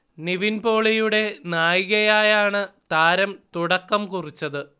നിവിൻ പോളിയുടെ നായികയായാണ് താരം തുടക്കം കുറിച്ചത്